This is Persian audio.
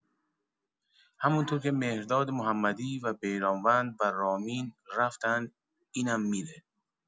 همونطور که مهراد محمدی و بیرانوند و رامین رفتن اینم می‌ره!